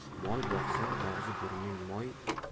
mol boqsang og'zi burning moy